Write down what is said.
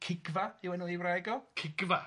Cigfa yw enw ei wraig o. Cigfa?